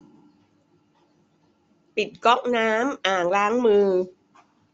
ปิดก๊อกน้ำน้ำอ่างล้างมือ